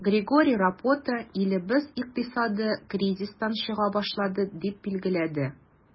Григорий Рапота, илебез икътисады кризистан чыга башлады, дип билгеләде.